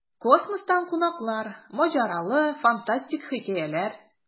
Космостан кунаклар: маҗаралы, фантастик хикәяләр.